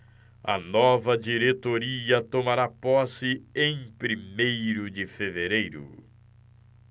a nova diretoria tomará posse em primeiro de fevereiro